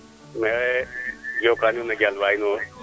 maxey njoka nuun a njal waay no